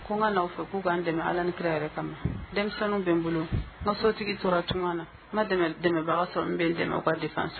Ko n ka n'aw fɛ ko k'a n dɛmɛ ala ni kira yɛrɛ kama. Denmisɛnninw bɛ n bolo, n ka sotigi tora tun ka. N ma dɛmɛbaga sɔrɔ n bɛ dɛmɛ n ka. dépenses